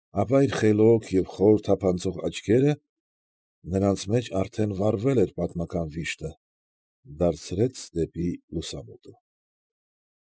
Ապա իր խելոք և խոր թափանցող աչքերը ֊ նրանց մեջ արդեն վառվել էր պատմական վիշտը ֊ դարձրեց դեպի լուսամուտը։